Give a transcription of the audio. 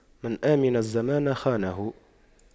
من أَمِنَ الزمان خانه